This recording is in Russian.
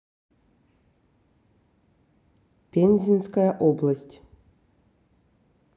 пензенская область